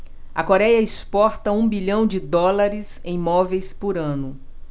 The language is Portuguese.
a coréia exporta um bilhão de dólares em móveis por ano